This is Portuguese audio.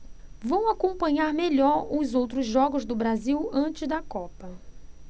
vou acompanhar melhor os outros jogos do brasil antes da copa